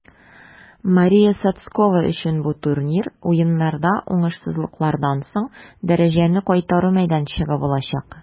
Мария Сотскова өчен бу турнир Уеннарда уңышсызлыклардан соң дәрәҗәне кайтару мәйданчыгы булачак.